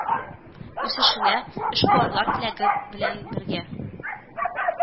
Үсешенә, эшкуарлар теләге белән бергә